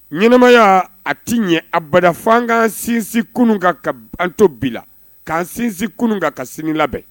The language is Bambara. Ɲɛnɛmaya a tɛ ɲɛ a badafan ka sinsin kunun ka ka banto bila kaan sinsin kun kan ka sini labɛn